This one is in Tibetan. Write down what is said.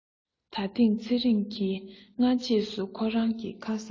ད ཐེངས ཚེ རིང གིས སྔ རྗེས སུ ཁོ རང གི ཁ སང ནས